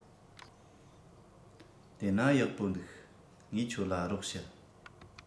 དེ ན ཡག པོ འདུག ངས ཁྱོད ལ རོགས བྱེད